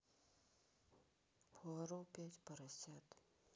пуаро пять поросят